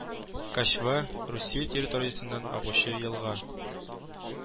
Качва Русия территориясеннән агучы елга